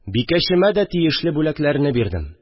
Бикәчемә дә тиешле бүләкләрне бирдем